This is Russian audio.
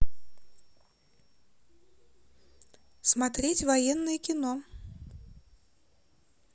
смотреть военное кино